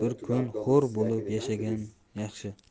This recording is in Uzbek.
bir kun hur bo'lib yashagan yaxshi